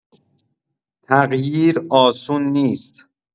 تغییر آسون نیست.